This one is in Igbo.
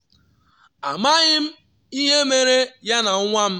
Amaghị m ihe mere ya na nwa m.